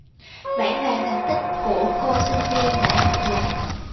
bảng vàng thành tích của cô sinh viên đại học luật